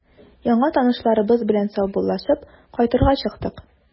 Яңа танышларыбыз белән саубуллашып, кайтырга чыктык.